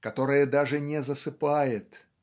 которое даже не засыпает.